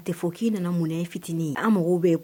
A tɛ fɔ k'i nana mun e fitinin ye an mako bɛ